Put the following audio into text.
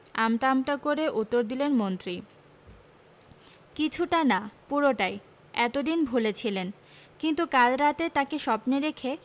আমতা আমতা করে উত্তর দিলেন মন্ত্রী কিছুটা না পুরোটাই এত দিন ভুলে ছিলেন কিন্তু কাল রাতে তাকে স্বপ্নে দেখে